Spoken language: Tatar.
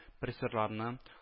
Призерларны